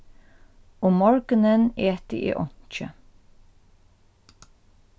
um morgunin eti eg einki